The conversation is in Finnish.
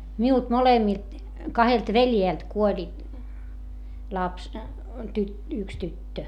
minulta molemmilta kahdelta veljeltä kuoli lapsi - yksi tyttö